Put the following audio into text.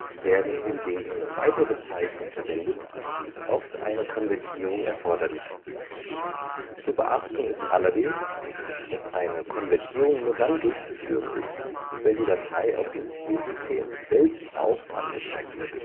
Werden hingegen weitere Zeichen verwendet, ist oft eine Konvertierung erforderlich. Zu beachten ist allerdings, dass eine Konvertierung nur dann durchzuführen ist, wenn die Datei auf dem Zielsystem selbst auch angezeigt wird